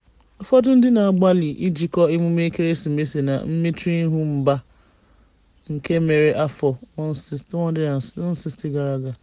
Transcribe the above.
Ụfọdụ ndị na-agbalị ịjikọ emume ekeresimesi na mmechuihu mba nke mere afọ 160 gara aga.